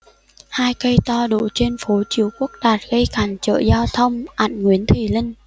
hai cây to đổ trên phố triệu quốc đạt gây cản trở giao thông ảnh nguyễn thùy linh